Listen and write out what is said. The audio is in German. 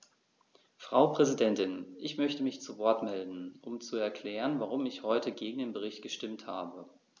Frau Präsidentin, ich möchte mich zu Wort melden, um zu erklären, warum ich heute gegen den Bericht gestimmt habe.